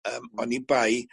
Yym oni bai